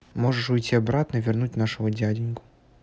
можешь уйти обратно вернуть нашего дяденьку